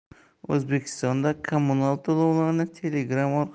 o'zbekistonda kommunal to'lovlarni telegram